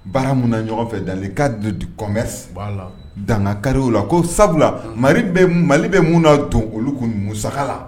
Baara min na ɲɔgɔnfɛ dalen ka don kɔnbɛn la dangakariw la ko sabula mali bɛ mali bɛ mun na don olu kun numuumsa la